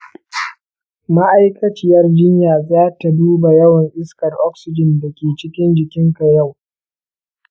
ma’aikaciyar jinya za ta duba yawan iskar oxygen da ke cikin jininka yau.